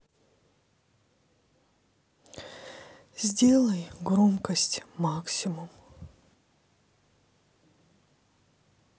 сделай громкость максимум